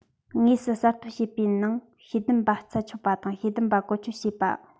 དངོས སུ གསར གཏོད བྱེད པའི ནང ཤེས ལྡན པ རྩད ཆོད པ དང ཤེས ལྡན པ བཀོལ སྤྱོད བྱེད པ